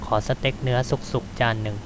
ขอสเต็กเนื้อสุกๆจานนึง